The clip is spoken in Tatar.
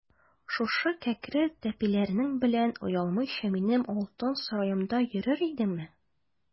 Шушы кәкре тәпиләрең белән оялмыйча минем алтын сараемда йөрер идеңме?